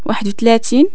واحد أو تلاتين